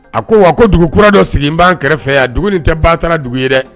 A ko wa ko dugu kura dɔ sigi' kɛrɛfɛ yan dugu nin tɛ ba taara dugu ye dɛ